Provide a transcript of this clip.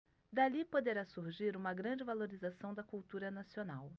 dali poderá surgir uma grande valorização da cultura nacional